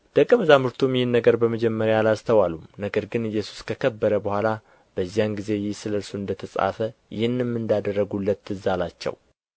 ደቀ መዛሙርቱም ይህን ነገር በመጀመሪያ አላስተዋሉም ነገር ግን ኢየሱስ ከከበረ በኋላ በዚያን ጊዜ ይህ ስለ እርሱ እንደ ተጻፈ ይህንም እንዳደረጉለት ትዝ አላቸው